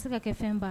A bɛ se ka kɛ fɛn ba